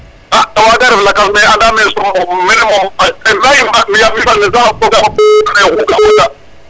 a a waga ref lakas mais anda me Som moom mene moom